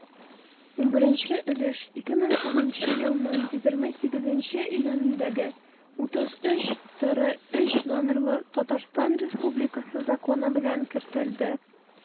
11 өлеш 2010 елның 28 июнендәге 33-трз номерлы татарстан республикасы законы белән кертелде.